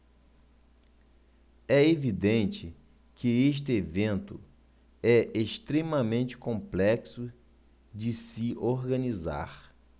é evidente que este evento é extremamente complexo de se organizar